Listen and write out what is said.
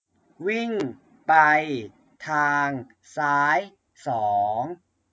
วิ่งไปทางซ้ายสอง